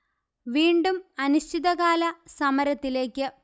വീണ്ടും അനിശ്ചിത കാല സമരത്തിലേക്ക്